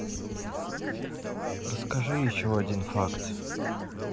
расскажи еще один факт